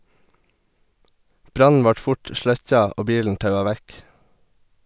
Brannen vart fort sløkkja og bilen taua vekk.